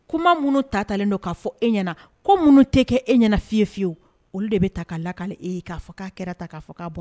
Kuma minnu tatalen don k'a fɔ e ɲɛna, ko minnu tɛ kɛ e ɲɛna fiye fiyewu, olu de bɛ ta ka lakale, e ye ka fɔ k'a kɛra tan, ka bɔra tan